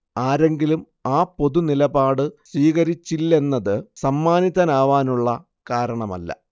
ആരെങ്കിലും ആ പൊതുനിലപാട് സ്വീകരിച്ചില്ലെന്നത് സമ്മാനിതനാവാനുള്ള കാരണമല്ല